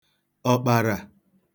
ọ̀kpàrà